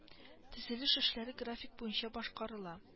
Төзелеш эшләре график буенча башкарыла